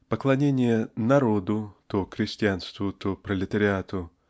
поклонение "народу"--то крестьянству то пролетариату